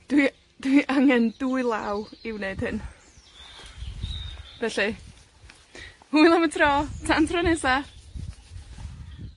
Dwi, dwi angen dwy law i wneud hyn. Felly, hwyl am y tro, tan tro nesa!